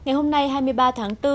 ngày hôm nay hai mươi ba tháng tư